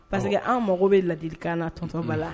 Parce que an mago bɛ ladikan na tɔn9ba la